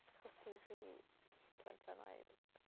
Achos ti'n rhy plentynaidd.